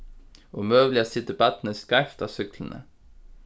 og møguliga situr barnið skeivt á súkkluni